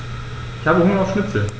Ich habe Hunger auf Schnitzel.